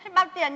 hết bao tiền